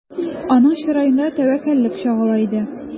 Аның чыраенда тәвәккәллек чагыла иде.